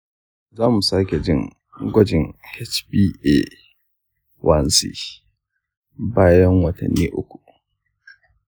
za mu sake yin gwajin hba1c bayan watanni uku.